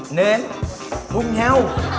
nếm cùng nhau